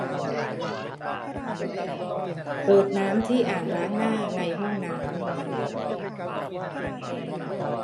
เปิดน้ำที่อ่างล้างหน้าในห้องน้ำ